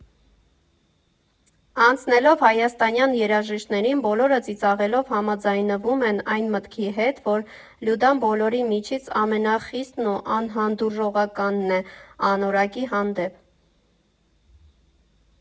Անցնելով Հայաստանյան երաժիշտներին, բոլորը ծիծաղելով համաձայնվում են այն մտքի հետ, որ Լյուդան բոլորի միջից ամենախիստն ու անհանդուրժողականն է անորակի հանդեպ։